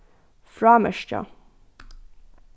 frámerkja